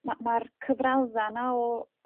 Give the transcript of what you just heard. ma' ma'r cyfralddan 'na o